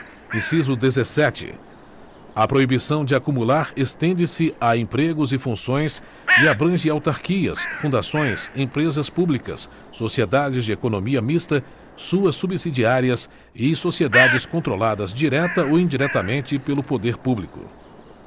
inciso dezessete a proibição de acumular estende se a empregos e funções e abrange autarquias fundações empresas públicas sociedades de economia mista suas subsidiárias e sociedades controladas direta ou indiretamente pelo poder público